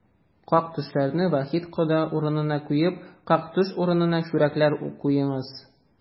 Как-төшләрне Вахит кода урынына куеп, как-төш урынына чүрәкләр куеңыз!